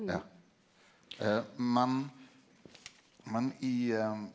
ja men men i .